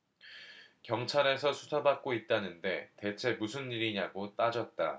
경찰에서 수사받고 있다는데 대체 무슨 일이냐고 따졌다